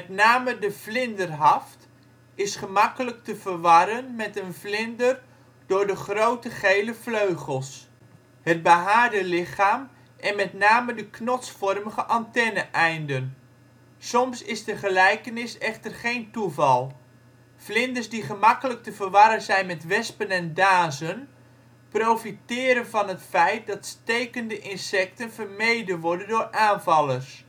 name de vlinderhaft (afbeelding onder) is gemakkelijk te verwarren met een vlinder door de grote gele vleugels, het behaarde lichaam en met name de knotsvormige antenne-einden. Soms is de gelijkenis echter geen toeval; vlinders die gemakkelijk te verwarren zijn met wespen en dazen profiteren van het feit dat stekende insecten vermeden worden door aanvallers